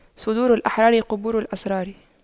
صدور الأحرار قبور الأسرار